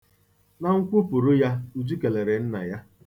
Na nkwpụrụ ya, Uju kelere nna ya.